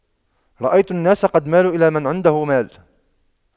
رأيت الناس قد مالوا إلى من عنده مال